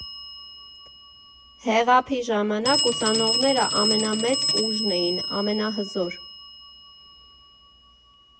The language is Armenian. Հեղափի ժամանակ ուսանողները ամենամեծ ուժն էին, ամենահզոր։